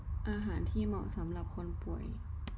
อาหารที่เหมาะสำหรับคนป่วย